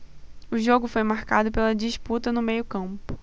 o jogo foi marcado pela disputa no meio campo